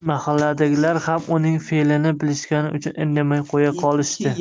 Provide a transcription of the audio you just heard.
mahalladagilar ham uning felini bilishgani uchun indamay qo'ya qolishdi